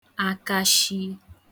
akashìi